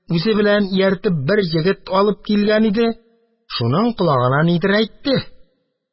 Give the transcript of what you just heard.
Үзе белән ияртеп бер егет алып килгән иде, шуның колагына нидер әйтте.